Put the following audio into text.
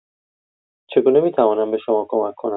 چگونه می‌توانم به شما کمک کنم؟